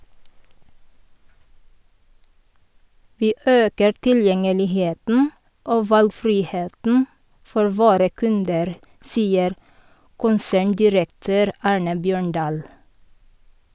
- Vi øker tilgjengeligheten og valgfriheten for våre kunder, sier konserndirektør Arne Bjørndahl.